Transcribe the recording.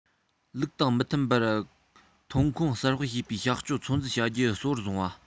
ལུགས དང མི མཐུན པར ཐོན ཁུངས གསར སྤེལ བྱེད པའི བྱ སྤྱོད ཚོད འཛིན བྱ རྒྱུ གཙོ བོར བཟུང བ